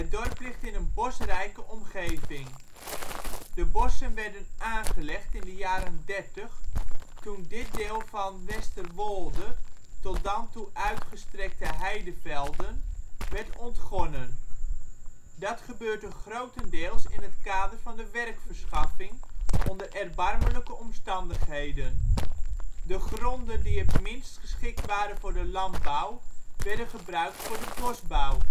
dorp ligt in een bosrijke omgeving. De bossen werden aangelegd in de jaren dertig toen dit deel van Westerwolde, tot dan toe uitgestrekte heidevelden, werd ontgonnen. Dat gebeurde grotendeels in het kader van de werkverschaffing onder erbarmelijke omstandigheden. De gronden die het minst geschikt waren voor de landbouw werden gebruikt voor de bosbouw